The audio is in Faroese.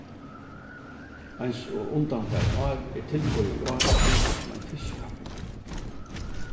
eins og undanfarin ár er tilboðið í ár skipað sum ein fiskikapping